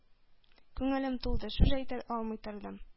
Күңелем тулды, сүз әйтә алмый тордым.